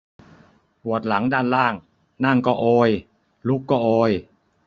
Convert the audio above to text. ปวดหลังด้านล่างนั่งก็โอยลุกก็โอย